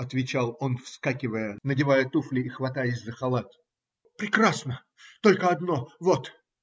- отвечал он, вскакивая, надевая туфли и хватаясь за халат. - Прекрасно! Только одно: вот!